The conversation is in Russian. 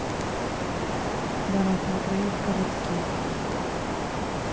давай поиграем в городки